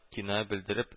Киная белдереп